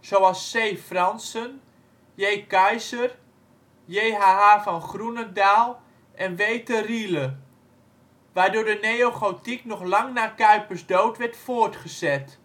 zoals C. Franssen, J. Kayser, J.H.H. van Groenendael en W. te Riele, waardoor de neogotiek nog lang na Cuypers ' dood werd voortgezet